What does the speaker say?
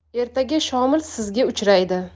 ertaga shomil sizga uchraydi